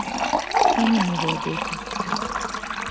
аниме владыка